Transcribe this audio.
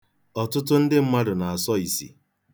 Ọtụtụ ndị mmadụ na-asọ isi.